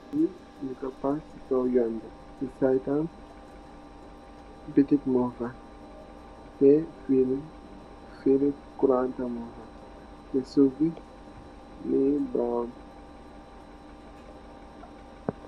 Lii nung kor pack cii kaw yon bii, cii side tam boutique mung fa, teh fii fili kurang tam mung fa, teh suff bii mungy brown.